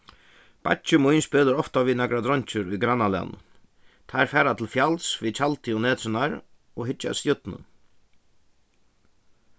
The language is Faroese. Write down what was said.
beiggi mín spælir ofta við nakrar dreingir í grannalagnum teir fara til fjals við tjaldi um næturnar og hyggja at stjørnum